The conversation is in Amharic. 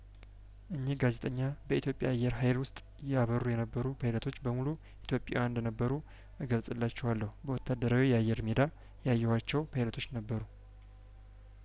እኚህ ጋዜጠኛ በኢትዮጵያ አየር ሀይል ውስጥ ያበሩ የነበሩ ፓይለቶች በሙሉ ኢትዮጵያዊያን እንደነበሩ እገልጽላችኋለሁ በወታደራዊ የአየር ሜዳ ያየኋቸው ፓይለቶች ነበሩ